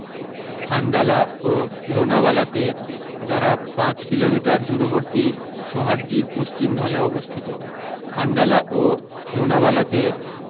খান্ডালা ও লোনাভালাতে যারা পাঁচ কিলোমিটার দূরবর্তী সহ্যাদ্রীর পশ্চিম ঢালে অবস্থিত খান্ডালা ও লোনাভালাতে